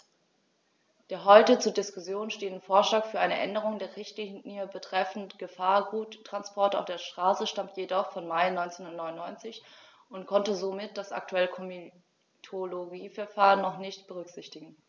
Der heute zur Diskussion stehende Vorschlag für eine Änderung der Richtlinie betreffend Gefahrguttransporte auf der Straße stammt jedoch vom Mai 1999 und konnte somit das aktuelle Komitologieverfahren noch nicht berücksichtigen.